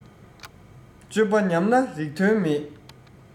སྤྱོད པ ཉམས ན རིགས དོན མེད